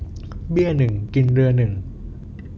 เบี้ยหนึ่งกินเรือหนึ่ง